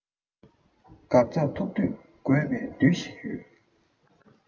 འགག རྩར ཐུག དུས དགོས པའི དུས ཤིག ཡོང